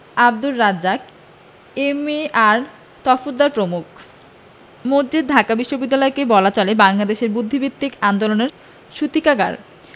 Abdur Razzaq M R Tafardar প্রমুখ মসজিদ ঢাকা বিশ্ববিদ্যালয়কে বলা চলে বাংলাদেশের বুদ্ধিবৃত্তিক আন্দোলনের সূতিকাগার